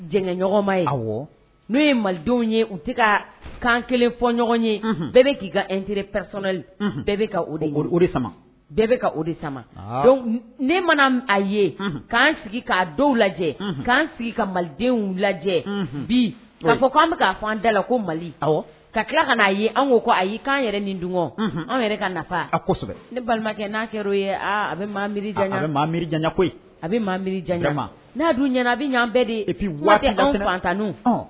N'denw ye u kan kelen ɲɔgɔn ye bɛɛ k' ka terirepli bɛɛ bɛɛ de ne mana a ye k'an sigi k' denw lajɛ k'an sigi ka malidenw lajɛ bi a fɔ k ko an' fɔ an da la ko mali ka tila ka'a ye ko ayi'i an yɛrɛ nin dun an yɛrɛ ka nafa asɛbɛ ne balimakɛ n'a' ye a bɛ mi koyi a bɛ mi n'a dun ɲ a bɛ ɲan bɛɛ de tan